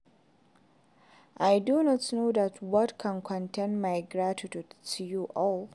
I do not know what words can contain my gratitude to you all.